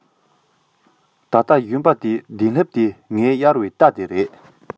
ད ལྟའི གཞོན པ དེའི གདན ལྷེབ དེ ངས གཡར བའི རྟ དེ རེད